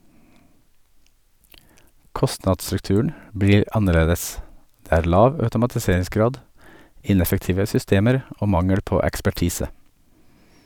- Kostnadsstrukturen blir annerledes, det er lav automatiseringsgrad, ineffektive systemer og mangel på ekspertise.